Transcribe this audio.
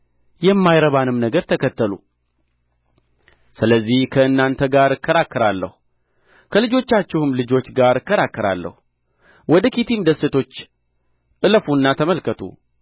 የማይረባንም ነገር ተከተሉ ስለዚህ ከእናንተ ጋር እከራከራለሁ ከልጆቻችሁም ልጆች ጋር እከራከራለሁ ወደ ኪቲም ደሴቶች እለፉና ተመልከቱ